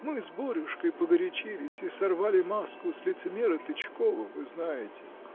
Мы с Борюшкой погорячились и сорвали маску с лицемера Тычкова: вы знаете.